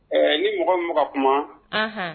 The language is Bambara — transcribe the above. Ɛɛ ni mɔgɔ min bɛ ka kuma; Anhan,